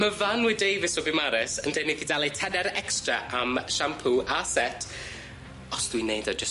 Ma' Fanwy Davies o Fiwmares yn deud neith hi dalu tenner extra am siampŵ a set os dwi'n neud o jyst mewn ffedog.